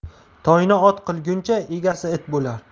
toyni ot qilguncha egasi it bo'lar